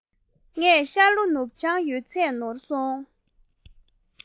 ངས ཤར ལྷོ ནུབ བྱང ཡོད ཚད ནོར སོང